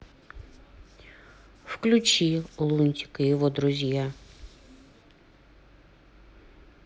включи лунтик и его друзья